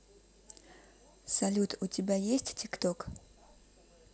салют у тебя есть тикток